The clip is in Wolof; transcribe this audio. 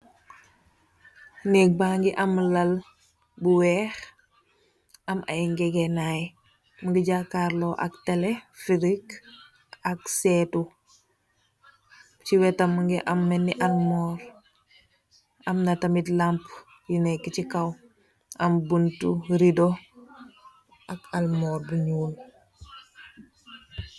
Nèk bangi lal bi wèèx, am ay ngegenai mugii jakarlu ak tele fringe ak séétu. Ci wettam mugii am melni armor, am na tamid lampú yu nekka ci kaw, am buntu redo ak almor bu ñuul .